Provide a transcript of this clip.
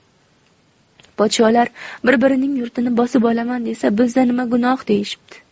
podsholar bir birining yurtini bosib olaman desa bizda nima gunoh deyishibdi